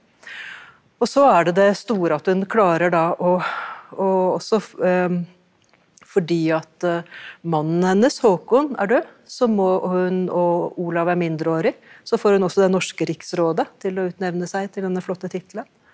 også er det det store at hun klarer da å å også fordi at mannen hennes Håkon er dø, så må hun, og Olav er mindreårig så får hun det norske riksrådet til å utnevne seg til denne flotte tittelen.